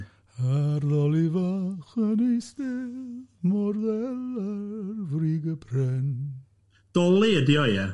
Ar loli fach yn eistedd, mor ddel ar frig y pren Dolu ydy o, ie.